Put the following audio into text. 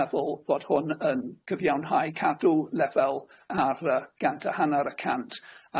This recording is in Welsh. meddwl bod hwn yn cyfiawnhau cadw lefel ar yy gant y hannar y cant,